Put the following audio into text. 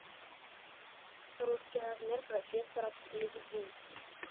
русский размер профессор лебединский